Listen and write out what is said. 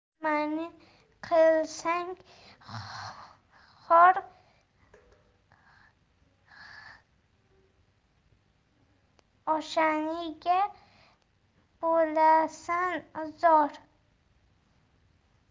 nimani qilsang xor o'shanga bo'lasan zor